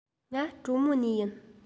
ང གྲོ མོ ནས ཡིན